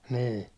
niin